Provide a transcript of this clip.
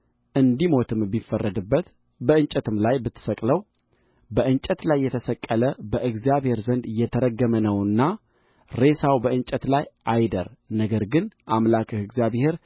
እንዲሞትም ቢፈረድበት በእንጨትም ላይ ብትሰቅለው በእንጨት ላይ የተሰቀለ በእግዚአብሔር ዘንድ የተረገመ ነውና ሬሳው በእንጨት ላይ አይደር ነገር ግን አምላክህ እግዚአብሔር